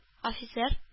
Офицер